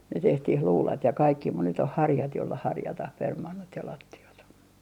ne tehtiin luudat ja kaikki mutta nyt on harjat jolla harjataan permannot ja lattiat